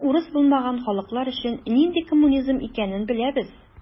Аның урыс булмаган халыклар өчен нинди коммунизм икәнен беләбез.